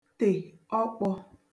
tè ọkpọ̄